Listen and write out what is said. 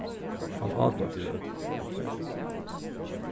hann át einki